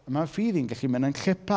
A ma'n ffydd i'n gallu mynd yn llipa.